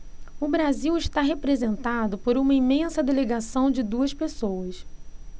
o brasil está representado por uma imensa delegação de duas pessoas